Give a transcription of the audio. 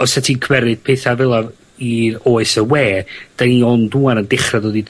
Os yt ti'n cymeryd petha fela i oes y we 'dan ni ond ŵan yn dechra dod i